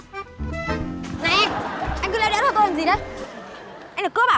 này anh anh cứ lẽo đẽo theo tôi làm gì đấy anh là cướp à